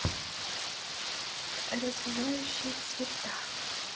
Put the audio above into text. развивающие цвета